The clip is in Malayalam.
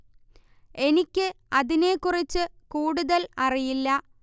എനിക്ക് അതിനെ കുറിച്ച് കൂടുതല് അറിയില്ല